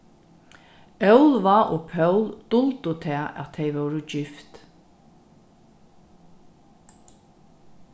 óluva og pól duldu tað at tey vóru gift